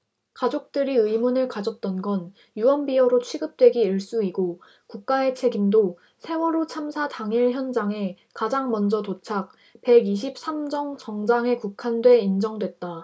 가족들이 의문을 가졌던 건 유언비어로 취급되기 일쑤이고 국가의 책임도 세월호 참사 당일 현장에 가장 먼저 도착 백 이십 삼 정 정장에 국한 돼 인정됐다